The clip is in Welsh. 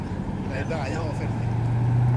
gennai ddau hoff erthy-